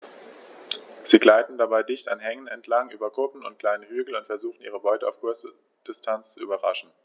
Sie gleiten dabei dicht an Hängen entlang, über Kuppen und kleine Hügel und versuchen ihre Beute auf kurze Distanz zu überraschen.